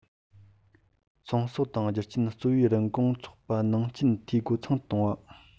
རྒྱལ ཁབ ཀྱི ལས ཁུངས དང སྤྱི ཚོགས ཀྱི ཚོགས པ དང མི སྒེར གང རུང གིས